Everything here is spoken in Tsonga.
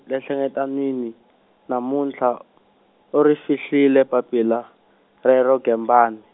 le nhlengeletanwini, namuntlha, u ri fihlile papila, rero Gembani.